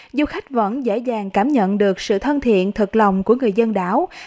du khách vẫn dễ dàng cảm nhận được sự thân thiện thực lòng của người dân đảo